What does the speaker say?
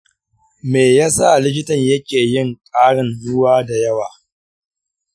me yasa likitan ya ke yin ƙarin-ruwa da yawa?